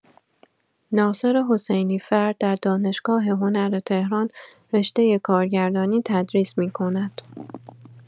ناصر حسینی‌فر در دانشگاه هنر تهران رشته کارگردانی تدریس می‌کند.